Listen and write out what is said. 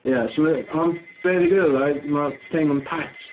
Ia, so mae... ond be ddigwyddodd oedd mae'r thing yn pet.